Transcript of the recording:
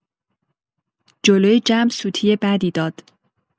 جلوی جمع سوتی بدی داد.